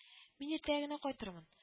- мин иртәгә генә кайтырмын